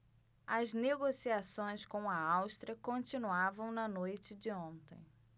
as negociações com a áustria continuavam na noite de ontem